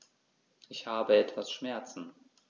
Ich habe etwas Schmerzen.